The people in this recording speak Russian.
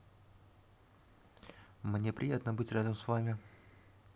мне приятно быть рядом с вами